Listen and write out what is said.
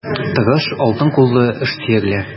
Тырыш, алтын куллы эшсөярләр.